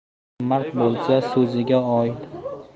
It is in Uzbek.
kim mard bo'lsa